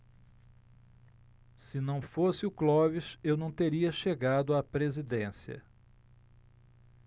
se não fosse o clóvis eu não teria chegado à presidência